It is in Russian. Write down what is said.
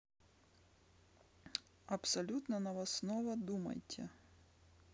абсолютно новостного думайте